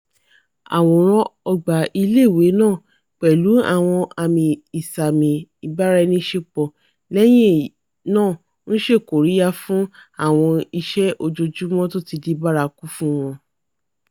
Àwòrán ọgbà ilé ìwé náà, pẹ̀lú àwọn àmi ìṣàmì ìbáraẹniṣepọ̀, lẹ́yìn náà ńṣekóríyá fún àwọn ìṣe ojoójúmọ tótidibárakú fún wọn.